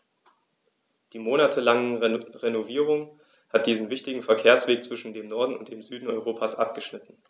Die monatelange Renovierung hat diesen wichtigen Verkehrsweg zwischen dem Norden und dem Süden Europas abgeschnitten.